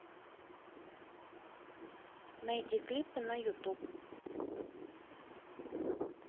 найди клипы на ютуб